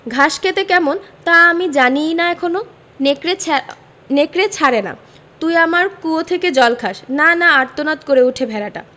ঘাস খেতে কেমন তাই আমি জানি না এখনো নেকড়েছ নেকড়ে ছাড়ে না তুই আমার কুয়ো থেকে জল খাস না না আর্তনাদ করে ওঠে ভেড়াটা